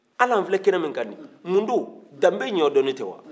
hali an filɛ kɛnɛ min kan nin ye mun don danbe ɲɛdɔnni tɛ